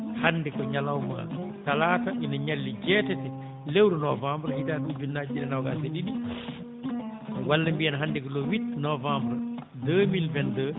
hannde ko ñalawma talata ina ñalli jeetati lewru novembre hitaande ujunnaaje ɗiɗi e noogaas e ɗiɗi walla mbiyen hannde ko le 08 novembre 2022